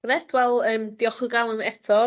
Reit wel yym diolch o galon eto...